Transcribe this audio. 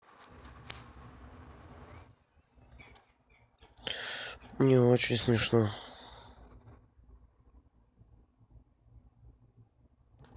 не очень смешно